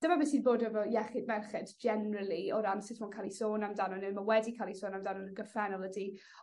dyma beth syd bod efo iechyd merched generally o ran sut ma'n cael 'i sôn amdano n'w ma' wedi ca'l 'i sôn amdan yn y gorffennol ydi